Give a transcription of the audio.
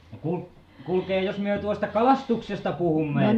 no - kuulkaa jos me tuosta kalastuksesta puhumme